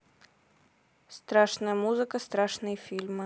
страшная музыка страшные фильмы